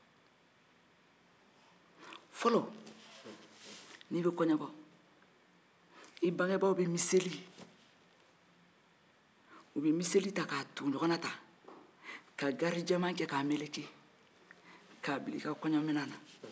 fɔlo n'i bɛ kɔɲɔbɔ i bangebagaw bɛ gari jɛman don miseli la k'a bila i ka kɔjɔminɛn na